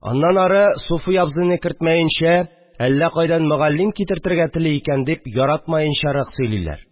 Аннан ары, суфи абзыйны кертмәенчә, әллә кайдан мөгаллим китертергә тели икән, дип яратмаенчарак сөйлиләр